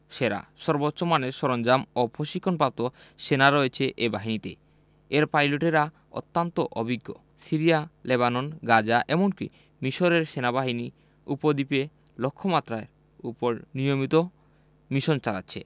সেরা সর্বোচ্চ মানের সরঞ্জাম ও প্রশিক্ষণপ্রাপ্ত সেনা রয়েছে এ বাহিনীতে এর পাইলটেরাও অত্যন্ত অভিজ্ঞ সিরিয়া লেবানন গাজা এমনকি মিসরের সেনাবাহিনী উপদ্বীপে লক্ষ্যমাত্রার ওপর নিয়মিত মিশন চালাচ্ছে